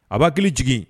A bba hakili jigi